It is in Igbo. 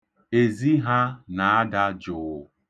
Ezi ha na-ada jụụ.